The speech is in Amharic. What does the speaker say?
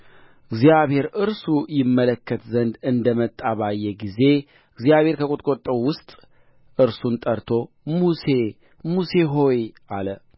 እግዚአብሔር እርሱ ይመለከት ዘንድ እንደ መጣ ባየ ጊዜ እግዚአብሔር ከቍጥቋጦው ውስጥ እርሱን ጠርቶ ሙሴ ሙሴ ሆይ አለ